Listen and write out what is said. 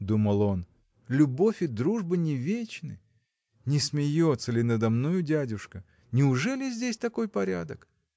– думал он, – любовь и дружба не вечны? не смеется ли надо мною дядюшка? Неужели здесь такой порядок?